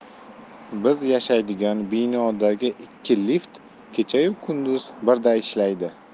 biz yashaydigan binodagi ikki lift kechayu kunduz birday ishlaydi